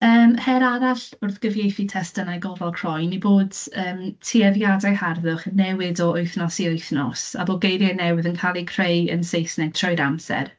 Yym, her arall wrth gyfieithu testunau gofal croen yw bod, yym, tueddiadau harddwch yn newid o wythnos i wythnos, a bod geiriau newydd yn cael eu creu yn Saesneg trwy'r amser.